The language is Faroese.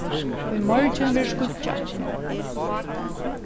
í morgin verður skýggjað